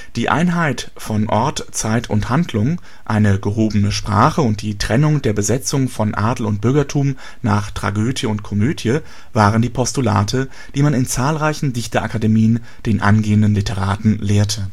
Die Einheit von Ort, Zeit und Handlung, eine gehobene Sprache und die Trennung der Besetzung von Adel und Bürgertum nach Tragödie und Komödie waren die Postulate, die man in zahlreichen Dichterakademien den angehenden Literaten lehrte